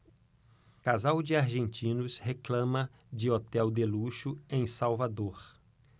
casal de argentinos reclama de hotel de luxo em salvador